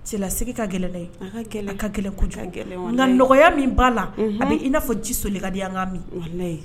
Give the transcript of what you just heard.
Cɛlase ka gɛlɛla an ka ka kɛlɛ nka nɔgɔya min b'a la ani i n'a fɔ ji solikadenya an ka